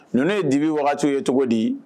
Ninnu ye dibi wagati ye cogo di